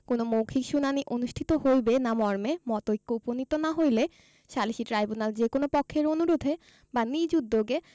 কোন মৌখিক শুনানী অনুষ্ঠিত হইবে না মর্মে মতৈক্য উপণীত না হইলে সালিসী ট্রাইব্যুনাল যে কোন পক্ষের অনুরোধে বা নিজ উদ্যোগে